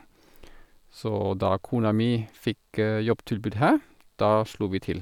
Så da kona mi fikk jobbtilbud her, da slo vi til.